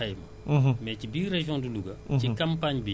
mën nañu ne ñun at bu nekk dafa am lu ñuy xayma